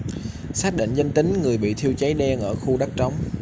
xác định danh tính người bị thiêu cháy đen ở khu đất trống